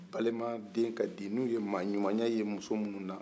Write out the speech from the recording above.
balimaden ka di n'u ye maa ɲumanya ye muso minnu na